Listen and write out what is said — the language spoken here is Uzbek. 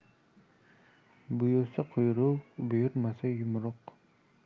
buyursa quyruq buyurmasa yumruq